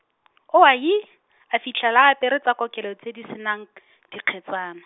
owai, a fitlhela a apere tsa kokelo tse di se nang , dikgetsana.